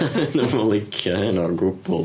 Wneith pobol ddim licio hyn o gwbwl.